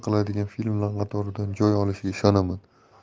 qiladigan filmlar qatoridan joy olishiga ishonaman